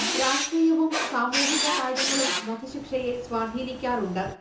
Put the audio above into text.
രാഷ്ട്രീയവും സാമൂഹിക കാര്യങ്ങളും വധശിക്ഷയെ സ്വാധീനിക്കാറുണ്ട്